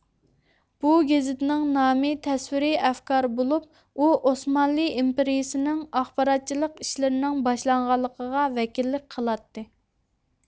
بۇ گېزىتنىڭ نامى تەسۋىرىي ئەفكار بولۇپ ئۇ ئوسمانلى ئىمپېرىيىسىنىڭ ئاخباراتچىلىق ئىشلىرىنىڭ باشلانغانلىقىغا ۋەكىللىك قىلاتتى